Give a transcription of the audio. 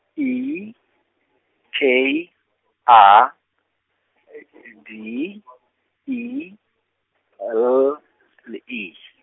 I K A D I L le E.